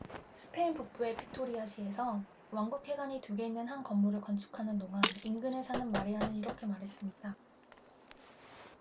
스페인 북부의 비토리아 시에서 왕국회관이 두 개 있는 한 건물을 건축하는 동안 인근에 사는 마리안은 이렇게 말했습니다